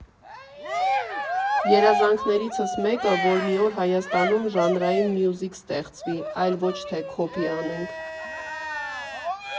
Երազանքներիցս մեկը, որ մի օր Հայաստանում ժանրային մյուզիք ստեղծվի, այլ ոչ թե քոփի անենք։